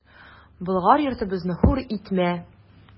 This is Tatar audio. Болгар йортыбызны хур итмә!